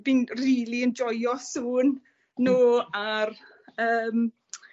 fi'n rili enjoio sŵn nw a'r yym